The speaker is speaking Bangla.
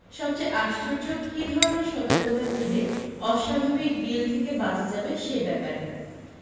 সবচেয়ে আশ্চর্য কী ধরণের সতর্কতা নিলে অস্বাভাবিক বিল থেকে বাঁচা যাবে সে ব্যাপারে